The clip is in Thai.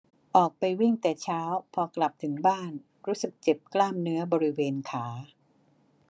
ออกไปวิ่งแต่เช้าพอกลับถึงบ้านรู้สึกเจ็บกล้ามเนื้อบริเวณขา